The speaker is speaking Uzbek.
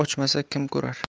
ochmasa kim ko'rar